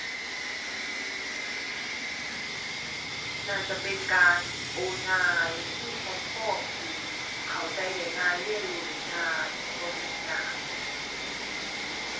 น่าจะเป็นการที่โอนง่าย มีแพลตฟอร์มที่เข้าใจได้ง่าย เรียนรู้ได้ง่าย บ่ยุ่งยาก